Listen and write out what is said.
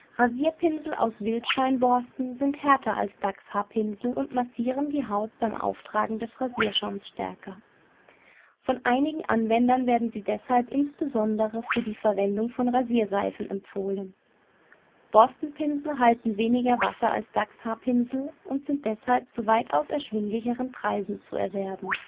Rasierpinsel aus Wildschweinborsten sind härter als Dachshaarpinsel und massieren die Haut beim Auftragen des Rasierschaums stärker. Von einigen Anwendern werden sie deshalb insbesondere für die Verwendung von Rasierseifen empfohlen. Borstenpinsel halten weniger Wasser als Dachshaarpinsel und sind deshalb zu weitaus erschwinglicheren Preisen zu erwerben